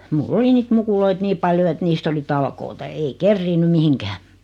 minulla oli niitä mukuloita niin paljon että niistä oli talkoita ei kerinnyt mihinkään